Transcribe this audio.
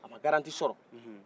a ma garantie sɔrɔ